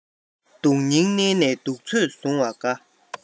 སྡུག སྙིང མནན ནས སྡུག ཚོད བཟུང བ དགའ